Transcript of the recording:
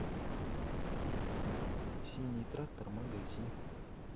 синий трактор магазин